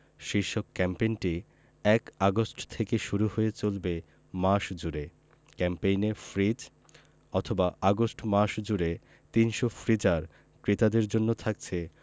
শীর্ষক ক্যাম্পেইনটি ১ আগস্ট থেকে শুরু হয়ে চলবে মাস জুড়ে ক্যাম্পেইনে ফ্রিজ অথবা আগস্ট মাস জুড়ে ৩০০ ফ্রিজার ক্রেতাদের জন্য থাকছে